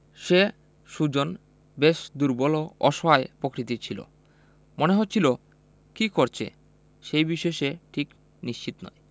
সে সুজন বেশ দুর্বল ও অসহায় প্রকৃতির ছিল মনে হচ্ছিল কী করছে সেই বিষয়ে সে ঠিক নিশ্চিত নয়